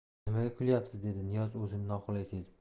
nimaga kulyapsiz dedi niyoz o'zini noqulay sezib